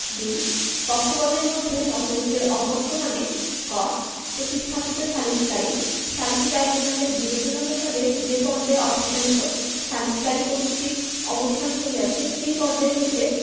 ২ পক্ষগণের মধ্যে মতৈক্যের অবর্তমানে ক প্রতিস্থাপিত সালিসকারী সালিসী ট্রাইব্যুনালের বিচেনা মোতাবেক যে পর্যায়ে অপসারিত সালিসকারীর কর্তৃক্ব অবসান হইয়াছে সেই পর্যায় হইতে